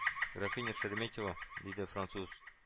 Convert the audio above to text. — графиня шереметева, — диде француз